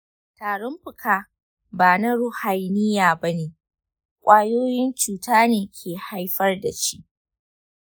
tarin fuka ba na ruhaniya ba ne; ƙwayoyin cuta ne ke haifar da shi.